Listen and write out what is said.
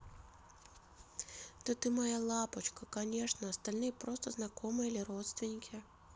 да ты моя лапочка конечно остальные просто знакомые или родственники